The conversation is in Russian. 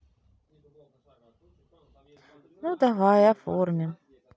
ну давай оформим